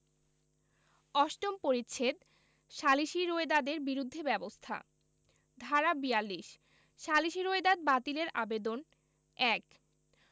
অষ্টম পরিচ্ছেদ সালিসী রোয়েদাদের বিরুদ্ধে ব্যবস্থা ধারা ৪২ সালিসী রোয়েদাদ বাতিলের আবেদন ১